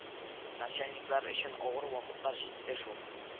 Начальниклар өчен авыр вакытлар җитте шул